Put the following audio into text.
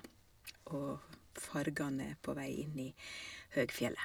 Og fargene er på vei inn i høgfjellet.